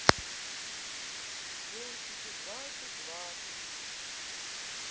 мультики двадцать двадцать